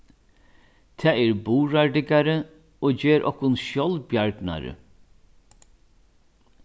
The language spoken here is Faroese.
tað er burðardyggari og ger okkum sjálvbjargnari